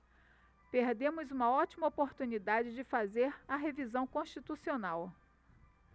perdemos uma ótima oportunidade de fazer a revisão constitucional